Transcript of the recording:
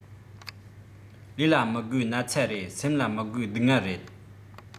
ལུས ལ མི དགོས ན ཚ རེད སེམས ལ མི དགོས སྡུག བསྔལ རེད